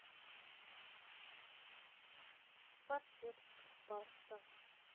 квартирник баста